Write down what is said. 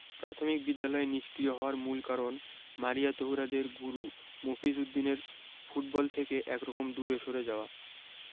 প্রাথমিক বিদ্যালয় নিষ্ক্রিয় হওয়ার মূল কারণ মারিয়া তহুরাদের গুরু মফিজ উদ্দিনের ফুটবল থেকে একরকম দূরে সরে যাওয়া